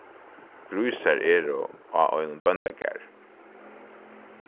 grísar eru á einum bóndagarði